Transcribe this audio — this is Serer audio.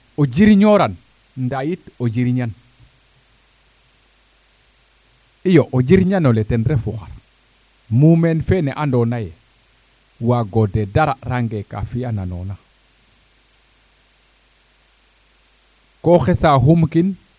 o jiriño ran nda yit o jiriñan i o jirñanole ten refu xar muumeen fene ando naye waagode dara raange kaa fiya na noona ko xesa xum kin